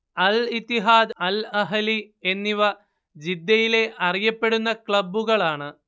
അൽ Ittihad Al Ahli എന്നിവ ജിദ്ദയിലെ അറിയപ്പെടുന്ന ക്ലബ്ബുകളാണ്